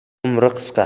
faqat umri qisqa